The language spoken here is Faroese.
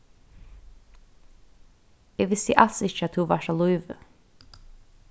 eg visti als ikki at tú vart á lívi